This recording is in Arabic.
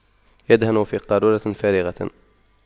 يدهن من قارورة فارغة